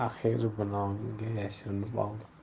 ammo axiyri binoga yashirinib oldi